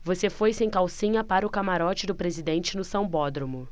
você foi sem calcinha para o camarote do presidente no sambódromo